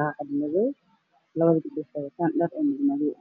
ah labada gabdhood waxay qabaan yado iyo indha shareero madow ah